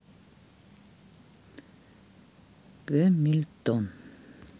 гамильтон